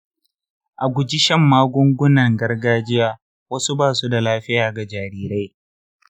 a guji shan magungunan gargajiya; wasu ba su da lafiya ga jarirai.